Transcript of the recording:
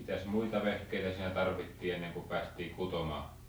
mitäs muita vehkeitä siinä tarvittiin ennen kuin päästiin kutomaan